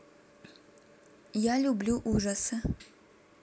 я люблю ужасы